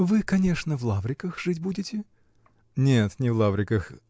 -- Вы, конечно, в Лавриках жить будете? -- Нет, не в Лавриках